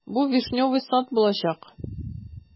Бу "Вишневый сад" булачак.